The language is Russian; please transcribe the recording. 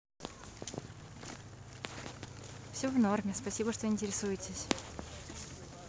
все в норме спасибо что интересуетесь